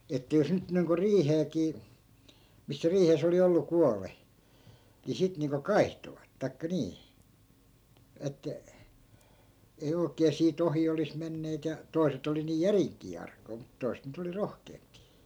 että jos nyt niin kuin riiheenkin missä riihessä oli ollut kuollut niin sitten niin kuin kaihtoivat tai niin että ei oikein siitä ohi olisi menneet ja toiset oli niin järinkin arkoja mutta toiset nyt oli rohkeampia